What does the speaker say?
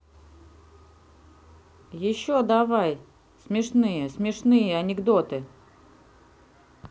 еще давай смешные смешные анекдоты